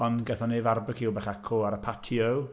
Ond gaethon ni farbeciw bach acw ar y patio.